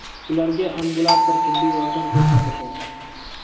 ularga ambulator tibbiy yordam ko'rsatilgan